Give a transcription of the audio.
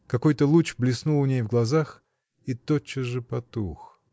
Какой-то луч блеснул у ней в глазах и тотчас же потух.